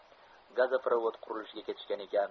gazoprovod qurilishiga ketishgan ekan